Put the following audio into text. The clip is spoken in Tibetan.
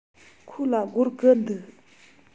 ཁོ ལ སྒོར དགུ འདུག